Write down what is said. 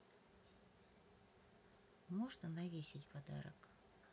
можно навесить подарок